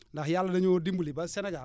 ndax yàlla dañoo dimbali ba Sénégal